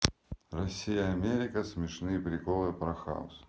америка россия смешные приколы про house